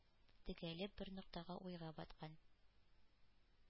Тегәлеп бер ноктага уйга баткан.